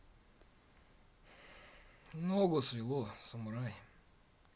ногу свело самурай